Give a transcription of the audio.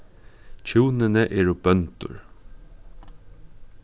hjúnini eru bøndur